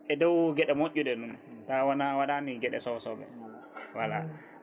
e dow gueɗe moƴƴuɗe noon tawa woona waɗani gueɗe Sow sosoɓe voilà :frav